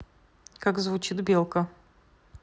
как звучит белка